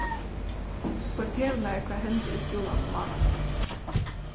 fortel mær hvat hendi í skúlanum mánadagin